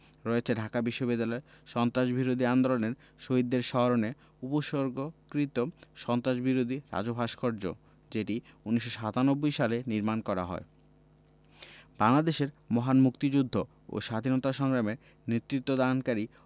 রয়েছে ঢাকা বিশ্ববিদ্যালয়ে সন্ত্রাসবিরোধী আন্দোলনে শহীদদের স্মরণে উৎসর্গকৃত সন্ত্রাসবিরোধী রাজু ভাস্কর্য যেটি১৯৯৭ সালে নির্মাণ করা হয় বাংলাদেশের মহান মুক্তিযুদ্ধ ও স্বাধীনতা সংগ্রামে নেতৃত্বদানকারী